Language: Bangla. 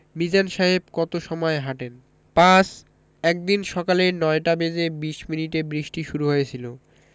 মিজান সাহেব কত সময় হাঁটেন ৫ একদিন সকালে ৯টা বেজে ২০ মিনিটে বৃষ্টি শুরু হয়েছিল